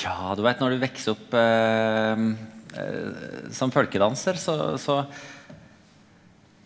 ja du veit når du veks opp som folkedansar så så